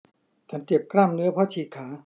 ฉันเจ็บกล้ามเนื้อเพราะฉีกขา